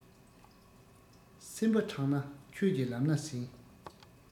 སེམས པ དྲང ན ཆོས ཀྱི ལམ སྣ ཟིན